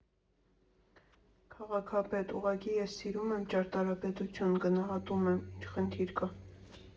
Քաղաքապետ, ուղղակի ես սիրում եմ ճարտարապետություն, գնահատում եմ, ի՞նչ խնդիր կա…